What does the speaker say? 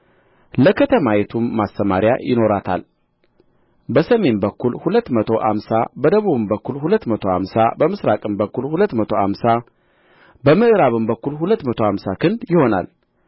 ለከተማይቱም ማሰማርያ ይኖራታል በሰሜን በኩል ሁለት መቶ አምሳ በደቡብም በኩል ሁለት መቶ አምሳ በምሥራቅም በኩል ሁለት መቶ አምሳ በምዕራብም በኩል ሁለት መቶ አምሳ ክንድ ይሆናል